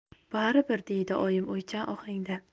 bari bir deydi oyim o'ychan ohangda